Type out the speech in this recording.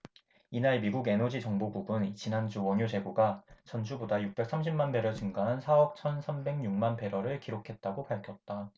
이날 미국 에너지정보국은 지난주 원유 재고가 전주보다 육백 삼십 만 배럴 증가한 사 억 천 삼백 여섯 만배럴을 기록했다고 밝혔다